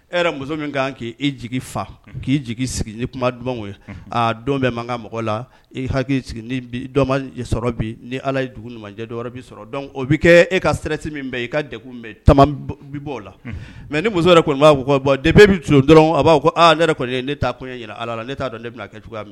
E yɛrɛ muso min kan k'i jigin fa k'i jigin sigi ni kuma duman ye don bɛ mankan mɔgɔ la i hakili sɔrɔ bi ni ala dugu ɲuman b'i sɔrɔ dɔn o bɛ kɛ e ka sirasi min i ka de tama bɔ o la mɛ ni muso yɛrɛ kɔni b' bɛ dɔrɔn b' ne yɛrɛ kɔni ala la' dɔn ne bɛna kɛ cogoya min